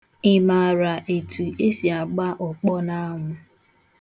Ị maara etu esi agba ụkpọ n'anwụ?